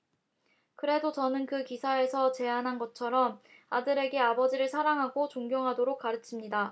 그래도 저는 그 기사에서 제안한 것처럼 아들에게 아버지를 사랑하고 존경하도록 가르칩니다